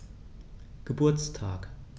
Geburtstag